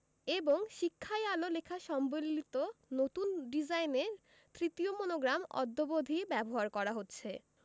এবং শিক্ষাই আলো লেখা সম্বলিত নতুন ডিজাইনের তৃতীয় মনোগ্রাম অদ্যবধি ব্যবহার করা হচ্ছে